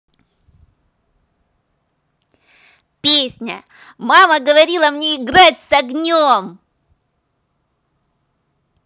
песня мама говорила мне играть с огнем